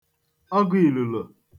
ọgụ ìlùlò